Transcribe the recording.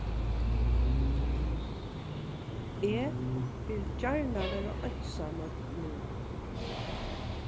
eg vil gjarna vera einsamøll nú